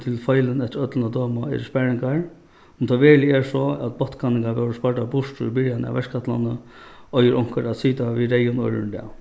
til feilin eftir øllum at døma er sparingar um tað veruliga er so at botnkanningar vórðu spardar burtur í byrjanini av verkætlanini eigur onkur at sita við reyðum oyrum í dag